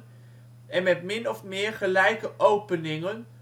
en met min of meer gelijke openingen